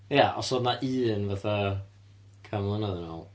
Ie os oedd 'na un fatha can mlynedd yn ôl.